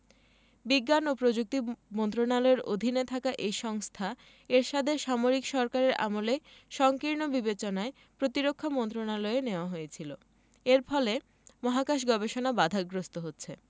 বিজ্ঞান ও প্রযুক্তি মন্ত্রণালয়ের অধীনে থাকা এই সংস্থা এরশাদের সামরিক সরকারের আমলে সংকীর্ণ বিবেচনায় প্রতিরক্ষা মন্ত্রণালয়ে নেওয়া হয়েছিল এর ফলে মহাকাশ গবেষণা বাধাগ্রস্ত হচ্ছে